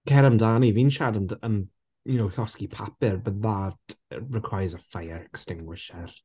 Cer amdani, fi'n siarad amd- yym you know llosgi papur, but that requires a fire extinguisher.